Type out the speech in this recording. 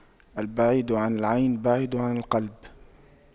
البعيد عن العين بعيد عن القلب